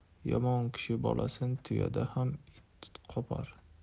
yomon kishi bolasin tuyada ham it qopar